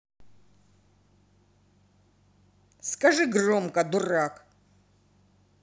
скажи громко дурак